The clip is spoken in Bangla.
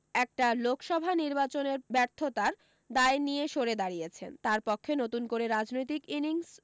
একটা লোকসভা নির্বাচনের ব্যর্থতার দায় নিয়ে সরে দাঁড়িয়েছেন তার পক্ষে নতুন করে রাজনৈতিক ইনিংস